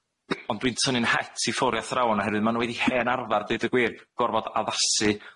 Ond dwi'n tynnu'n het i ffwr' i athrawon oherwydd ma' nw wedi hen arfar, deud y gwir, gorfod addasu,